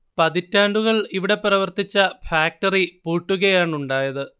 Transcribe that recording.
പതിറ്റാണ്ടുകൾ ഇവിടെ പ്രവർത്തിച്ച ഫാക്ടറി പൂട്ടപ്പെടുകയാണുണ്ടായത്